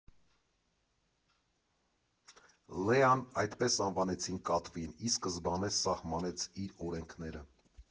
Լեան՝ այդպես անվանեցին կատվին, ի սկզբանե սահմանեց իր օրենքները։